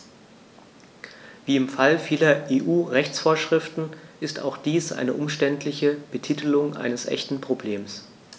Wie im Fall vieler EU-Rechtsvorschriften ist auch dies eine umständliche Betitelung eines echten Problems.